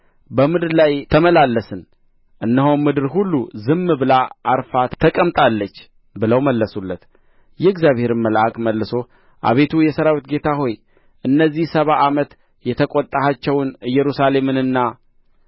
በምድር ላይ ተመላለስን እነሆም ምድር ሁሉ ዝም ብላ ዐርፋ ተቀምጣለች ብለው መለሱለት የእግዚአብሔርም መልአክ መልሶ አቤቱ የሠራዊት ጌታ ሆይ እነዚህ ሰባ ዓመት የተቈጣሃቸውን ኢየሩሳሌምንና